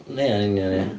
Ia yn union, ia.